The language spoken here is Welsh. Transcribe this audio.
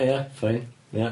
Ia, fine, ia.